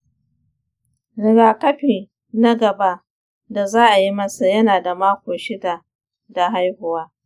rigakafi na gaba da za a yi masa yana da mako shida da haihuwa